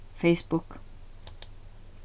facebook